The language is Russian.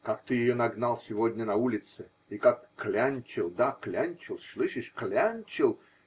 Как ты ее нагнал сегодня на улице и как клянчил -- да, клянчил, слышишь? клянчил!!